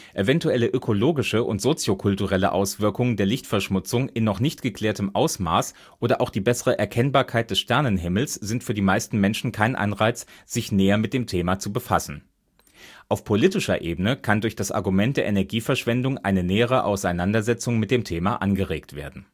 Eventuelle ökologische und soziokulturelle Auswirkungen der Lichtverschmutzung in noch nicht geklärtem Ausmaß oder auch die bessere Erkennbarkeit des Sternenhimmels sind für die meisten Menschen kein Anreiz, sich näher mit dem Thema zu befassen. Auf politischer Ebene kann durch das Argument der Energieverschwendung eine nähere Auseinandersetzung mit dem Thema angeregt werden